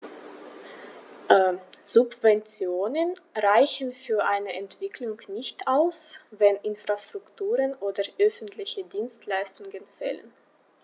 Subventionen reichen für eine Entwicklung nicht aus, wenn Infrastrukturen oder öffentliche Dienstleistungen fehlen.